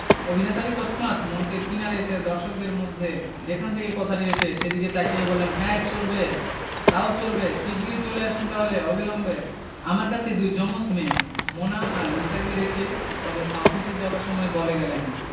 অভিনেতাটি তৎক্ষনাত মঞ্চের কিনারে এসে দর্শকদের মধ্যে যেখান থেকে কথাটি এসে সেদিকে তাকিয়ে বললেন হ্যাঁ চলবে তাও চলবে শিগগির চলে আসুন তাহলে অবিলম্বে আমার কাছে দুই জমজ মেয়ে মোনা আর লিসাকে রেখে ওদের মা অফিসে যাবার সময় বলে গেলেন